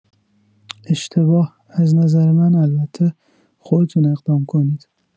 اشتباه، از نظر من البته، خودتون اقدام کنید.